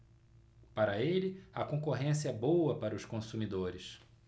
para ele a concorrência é boa para os consumidores